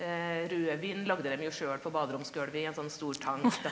rødvin lagde dem jo sjøl på baderomsgulvet i en sånn stor tank, da.